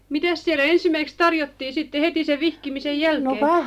mitäs siellä ensimmäiseksi tarjottiin sitten heti sen vihkimisen jälkeen